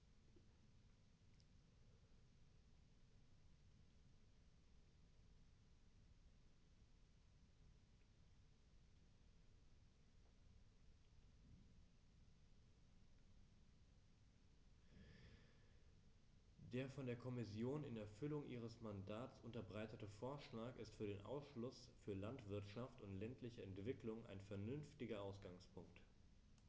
Der von der Kommission in Erfüllung ihres Mandats unterbreitete Vorschlag ist für den Ausschuss für Landwirtschaft und ländliche Entwicklung ein vernünftiger Ausgangspunkt.